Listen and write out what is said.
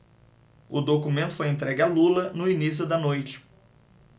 o documento foi entregue a lula no início da noite